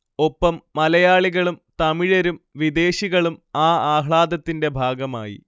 ഒപ്പം മലയാളികളും തമിഴരും വിദേശികളും ആ ആഹ്ളാദത്തിന്റെ ഭാഗമായി